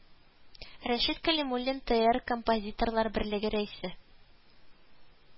Рәшит Кәлимуллин тээр Композиторлар берлеге рәисе